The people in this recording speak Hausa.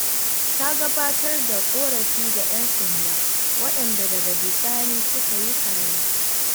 Ta gabatar da ƙorafi ga 'yan sanda, waɗanda daga bisani suka yi kame.